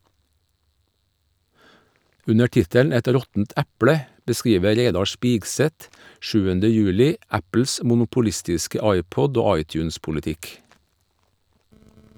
Under tittelen "Et råttent eple" beskriver Reidar Spigseth 7. juli Apples monopolistiske iPod- og iTunes-politikk.